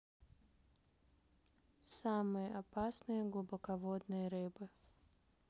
самые опасные глубоководные рыбы